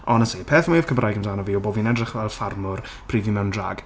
Honestly peth mwyaf Cymraeg amdano fi yw bod fi'n edrych fel ffarmwr pryd fi mewn drag.